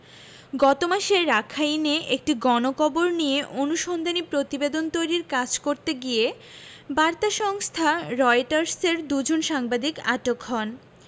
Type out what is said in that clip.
গত মাসে রাখাইনে একটি গণকবর নিয়ে অনুসন্ধানী প্রতিবেদন তৈরির কাজ করতে গিয়ে বার্তা সংস্থা রয়টার্সের দুজন সাংবাদিক আটক হন